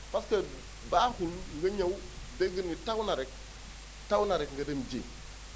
parce ;fra que baaxul nga ñëw dégg ni taw na rek taw na rek nga dem ji